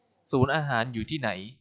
ศูนย์อาหารอยู่ที่ไหน